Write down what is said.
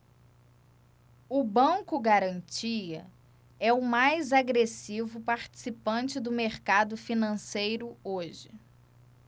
o banco garantia é o mais agressivo participante do mercado financeiro hoje